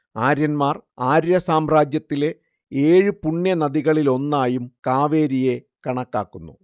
ആര്യന്മാർ ആര്യസാമ്രാജ്യത്തിലെ ഏഴു പുണ്യ നദികളിലൊന്നായും കാവേരിയെ കണക്കാക്കുന്നു